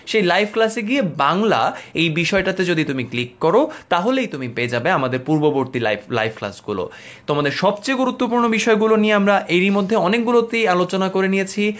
সে live ক্লাসে গিয়ে বাংলা এই বিষয়টাতে তুমি যদি ক্লিক করো তাহলেই তুমি পেয়ে যাবে আমাদের পূর্ববর্তী লাইভ লাইভ ক্লাস গুলো তোমাদের সবচেয়ে গুরুত্বপূর্ণ বিষয়গুলো নিয়ে আমরা এরই মধ্যে অনেকগুলোতে আলোচনা করে নিয়েছি